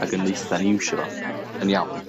ac yn ddeutha ni iwsio fo yn iawn